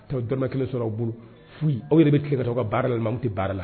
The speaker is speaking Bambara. Dɔrɔmɛ 1 sɔrɔ aw bolo killen ka ta aw ka baara tɛ baara la